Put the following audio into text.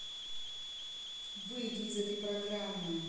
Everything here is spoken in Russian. выйди из этой программы